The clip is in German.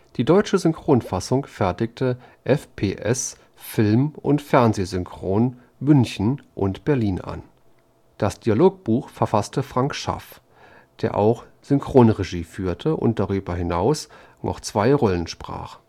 Die deutsche Synchronbearbeitung fertigte die FFS Film -& Fernseh-Synchron München und Berlin an. Das Dialogbuch verfasste Frank Schaff, der auch Synchronregie führte und darüber hinaus noch zwei Rollen sprach